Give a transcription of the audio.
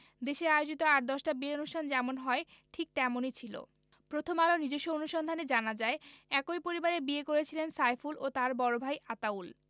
দেশে আয়োজিত আর দশটা বিয়ের অনুষ্ঠান যেমন হয় ঠিক তেমনি ছিল প্রথম আলোর নিজস্ব অনুসন্ধানে জানা যায় একই পরিবারে বিয়ে করেছিলেন সাইফুল ও তাঁর বড় ভাই আতাউল